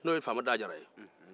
n'o ye faama da jara ye